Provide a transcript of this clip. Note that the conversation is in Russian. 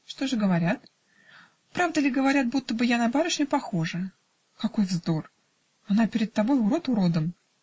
"-- "Что же говорят?" -- "Правда ли, говорят, будто бы я на барышню похожа?" -- "Какой вздор! Она перед тобой урод уродом".